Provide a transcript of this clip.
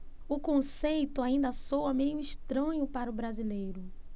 o conceito ainda soa meio estranho para o brasileiro